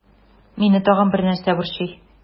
Мине тагын бер нәрсә борчый.